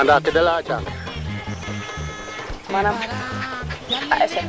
manaam a tarmbale ko xotan xoox tan pooɗ kene ke daand le ndi ko njastano ten wala